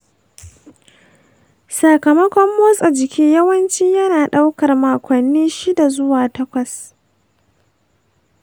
sakamakon motsa jiki yawanci yana ɗaukar makonni shida zuwa takwas.